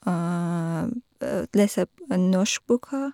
Lese norsk boka.